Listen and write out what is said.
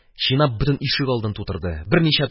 Чинап бөтен ишегалдын тутырды, берничә